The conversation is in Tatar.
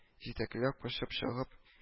Җитәкләп-кочып чыгып